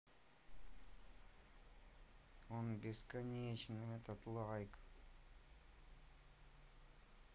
он бесконечный этот лайк